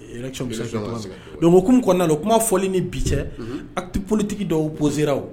Ee élection bɛ sen ka kɛ cogoya min na élection bɛ sen ka kɛ oui donc o hokumu kɔnɔnana o kuma fɔli ni bi cɛ unhun actes politiques dɔw opposer ra o